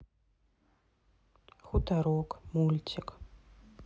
хуторок мультик